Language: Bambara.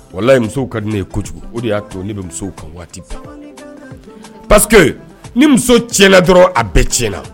Wala layi musow ka di ne ye kojugu o de y'a to ne bɛ muso kan waati pa ni muso ti dɔrɔn a bɛɛ ti na